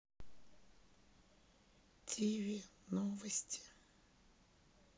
тиви новости